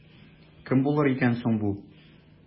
Кем булыр икән соң бу?